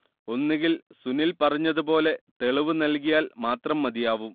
ഒന്നുകിൽ സുനിൽ പറഞ്ഞതുപോലെ തെളിവു നൽകിയാൽ മാത്രം മതിയാവും